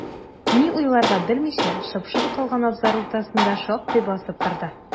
Ни уйларга белмичә, шып-шыр калган абзар уртасында шактый басып торды.